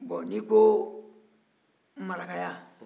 n'i ko marakaya